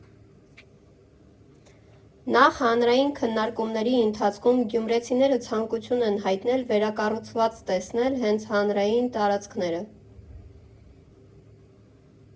Նախ՝ հանրային քննարկումների ընթացքում գյումրեցիները ցանկություն են հայտնել վերակառուցված տեսնել հենց հանրային տարածքները։